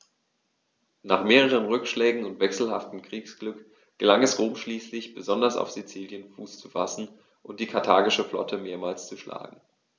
Nach mehreren Rückschlägen und wechselhaftem Kriegsglück gelang es Rom schließlich, besonders auf Sizilien Fuß zu fassen und die karthagische Flotte mehrmals zu schlagen.